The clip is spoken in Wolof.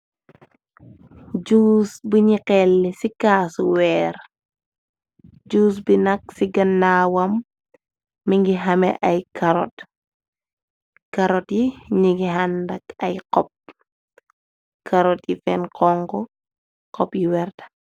Juus bu ñyi xell li ci caasu weer juuz bi nag ci gënnaawam mi ngi xameh ay karot, karot yi ñyi ngi andak ay xop karot yi feen khonko xop yi werta.